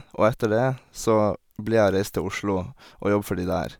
Og etter det så blir jeg å reise til Oslo og jobbe for de der.